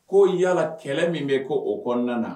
Ko yala kɛlɛ min be ko o kɔɔna na